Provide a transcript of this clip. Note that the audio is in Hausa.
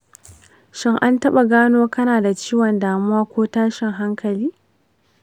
shin an taɓa gano kana da ciwon damuwa ko tashin hankali?